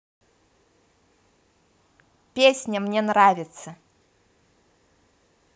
песня мне нравится